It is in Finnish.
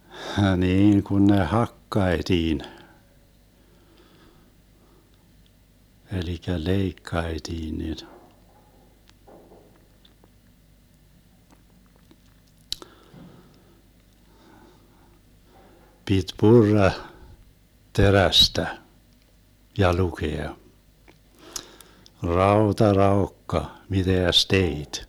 niin kun ne hakattiin eli leikattiin niin piti purra terästä ja lukea rauta raukka mitäs teit